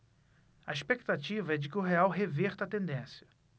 a expectativa é de que o real reverta a tendência